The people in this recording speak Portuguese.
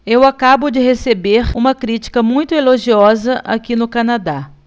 eu acabo de receber uma crítica muito elogiosa aqui no canadá